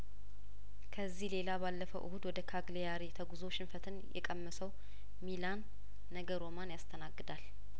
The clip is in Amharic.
ከዚህ ሌላ ባለፈው እሁድ ወደ ካግሊያሪ ተጉዞ ሽንፈትን የቀመሰው ሚላን ነገ ሮማን ያስተናግዳል